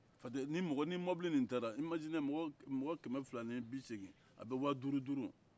ni mɔbili ni taara imagine mɔgɔ-mɔgɔ kɛmɛ fila ni bi seegin u bɛɛ bɛ waa duuru-duuru